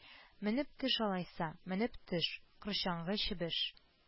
Менеп төш алайса, менеп төш, корчаңгы чебеш